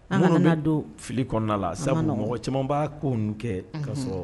Bamanan don fili kɔnɔna la sabu mɔgɔ caman b'a ko kɛ ka sɔrɔ